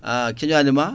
an cooñadi ma